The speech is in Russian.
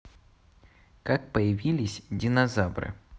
как появились динозавры